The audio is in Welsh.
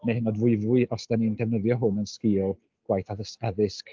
neu hyd yn oed fwyfwy os dan ni'n defnyddio hwn yn sgil gwaith addys- addysg